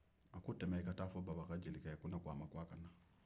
a ko tɛmɛ e ka taa fɔ baba ka jelicɛ ye ko ne k'o ma ko a ka na